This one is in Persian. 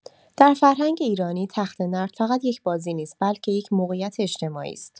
در فرهنگ ایرانی، تخته‌نرد فقط یک بازی نیست، بلکه یک موقعیت اجتماعی است.